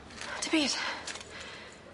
Dim byd.